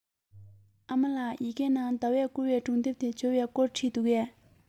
ཨ མ ལགས ཡི གེ ནང ཟླ བསྐུར བའི སྒྲུང དེབ དེ འབྱོར བའི སྐོར བྲིས འདུག གས